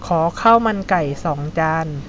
ขอข้าวมันไก่สองจาน